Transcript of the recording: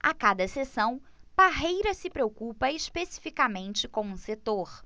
a cada sessão parreira se preocupa especificamente com um setor